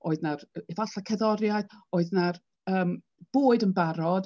Oedd na efallai cerddoriaeth, oedd na'r yym bwyd yn barod.